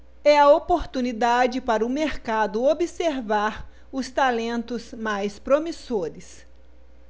é a oportunidade para o mercado observar os talentos mais promissores